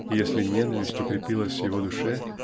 и если ненависть укрепилась в его душе